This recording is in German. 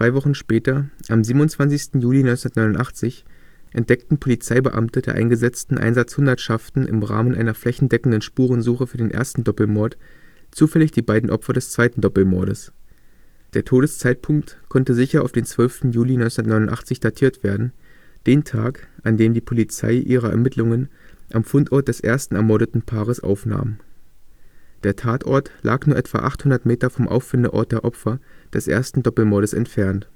Wochen später, am 27. Juli 1989, entdeckten Polizeibeamte der eingesetzten Einsatzhundertschaften im Rahmen einer flächendeckenden Spurensuche für den ersten Doppelmord zufällig die beiden Opfer des zweiten Doppelmordes. Der Todeszeitpunkt konnte sicher auf den 12. Juli 1989 datiert werden, den Tag, an dem die Polizei ihre Ermittlungen am Fundort des ersten ermordeten Paares aufnahm. Der Tatort lag nur etwa 800 Meter vom Auffindeort der Opfer des ersten Doppelmordes entfernt